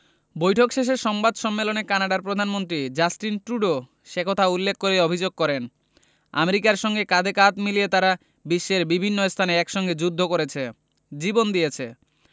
বৈঠক শেষে সংবাদ সম্মেলনে কানাডার প্রধানমন্ত্রী জাস্টিন ট্রুডো সে কথা উল্লেখ করে অভিযোগ করেন আমেরিকার সঙ্গে কাঁধে কাঁধ মিলিয়ে তারা বিশ্বের বিভিন্ন স্থানে একসঙ্গে যুদ্ধ করেছে জীবন দিয়েছে